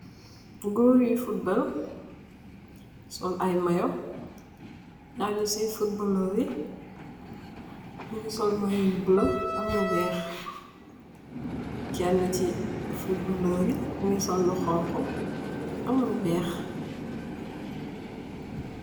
Goor yuy football sul aye mayoh aye nyu si football nyungi sul mayoh yu bulah kenah si football kat mungi sul lu xhong khu am lu wekh